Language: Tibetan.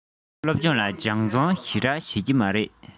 ཁོས སློབ སྦྱོང ལ སྦྱོང བརྩོན ཞེ དྲགས བྱེད ཀྱི མ རེད